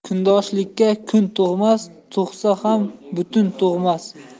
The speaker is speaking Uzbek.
kundoshlikka kun tug'mas tug'sa ham butun tug'mas